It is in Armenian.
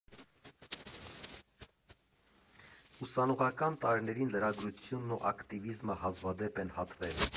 ֊Ուսանողական տարիներին լրագրությունն ու ակտիվիզմը հազվադեպ են հատվել։